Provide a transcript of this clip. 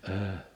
-